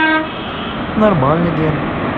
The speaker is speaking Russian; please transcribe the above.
нормальный день